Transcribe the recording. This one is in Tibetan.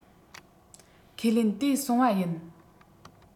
ཁས ལེན དེ སོང བ ཡིན